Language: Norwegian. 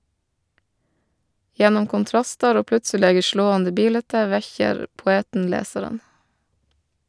Gjennom kontrastar og plutselege slåande bilete vekkjer poeten lesaren.